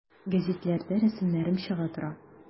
Гәзитләрдә рәсемнәрем чыга тора.